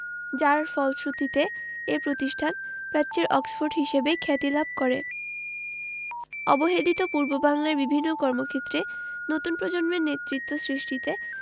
যার ফলশ্রুতিতে এ প্রতিষ্ঠান প্রাচ্যের অক্সফোর্ড হিসেবে খ্যাতি লাভ করে অবহেলিত পূর্ববাংলার বিভিন্ন কর্মক্ষেত্রে নতুন প্রজন্মের নেতৃত্ব সৃষ্টিতে